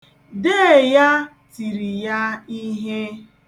Dee ya tiri ya ihe.